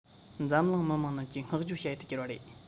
འཛམ གླིང མི དམངས རྣམས ཀྱི བསྔགས བརྗོད བྱ ཡུལ དུ གྱུར པ རེད